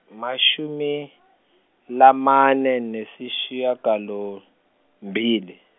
emashumi lamane nesishiyagalombili.